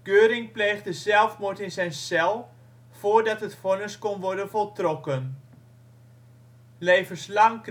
Göring pleegde zelfmoord in zijn cel voordat het vonnis kon worden voltrokken. Levenslang